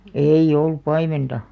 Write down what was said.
ei ollut paimenta